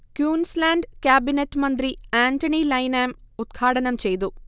ക്യൂൻസ് land cabinet മന്ത്രി Antony Lynham ഉത്ഘാടനം ചെയ്തു